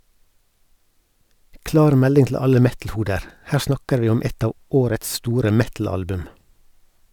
Klar melding til alle metalhoder; her snakker vi om ett av årets store metalalbum!